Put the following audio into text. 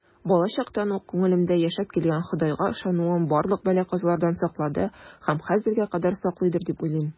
Балачактан ук күңелемдә яшәп килгән Ходайга ышануым барлык бәла-казалардан саклады һәм хәзергә кадәр саклыйдыр дип уйлыйм.